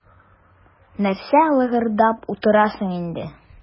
Нәрсә лыгырдап утырасың инде.